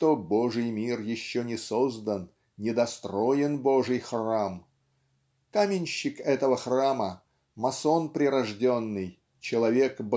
что "Божий мир еще не создан недостроен Божий храм" каменщик этого храма масон прирожденный человек